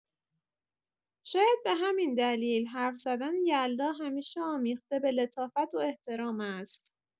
شاید به همین دلیل حرف‌زدن یلدا همیشه آمیخته به لطافت و احترام است.